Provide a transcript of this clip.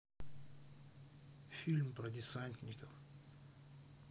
фильм про десантников